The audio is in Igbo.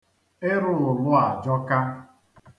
Ịrụ ụlụ ajọka.